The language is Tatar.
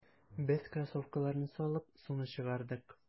Без кроссовкаларны салып, суны чыгардык.